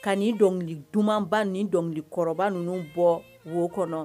Ka nin dɔnkili dumanba ni dɔnkili kɔrɔ ninnu bɔ wo kɔnɔ